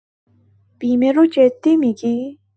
بیمه رو جدی می‌گی؟